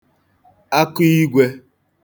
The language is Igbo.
akụigwē